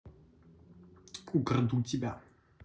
украду тебя